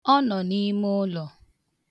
Ọ nọ n'ime ụlọ